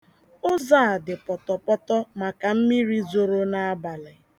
Ụzọ a dị pọtọpọtọ maka mmiri zoro n'abalị.